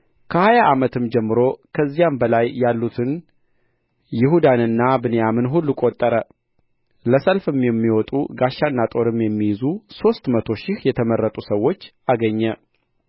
ከሀያ ዓመት ጀመሮ ከዚያም በላይ ያሉትን ይሁዳንና ብንያምን ሁሉ ቈጠረ ለሰልፍም የሚወጡ ጋሻና ጦርም የሚይዙ ሦስት መቶ ሺህ የተመረጡ ሰዎች አገኘ